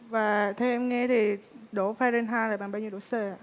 và theo em nghe thì độ pha ren hai thì bằng bao nhiêu độ xê ạ